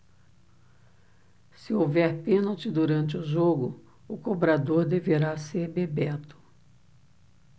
se houver pênalti durante o jogo o cobrador deverá ser bebeto